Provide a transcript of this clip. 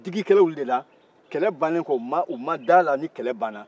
digi kɛra olu de la kɛlɛ bannen ko u ma dala ni kɛlɛ banna